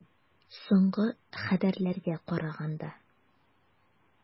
Соңгы хәбәрләргә караганда.